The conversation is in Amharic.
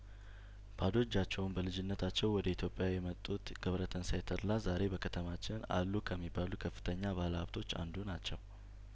ባዶ እጃቸውን በልጅነታቸው ወደ ኢትዮጵያ የመጡት ገብረተንሳይ ተድላ ዛሬ በከተማችን አሉ ከሚባሉ ከፍተኛ ባለሀብቶች አንዱ ናቸው